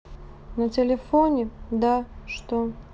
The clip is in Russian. на телефоне да что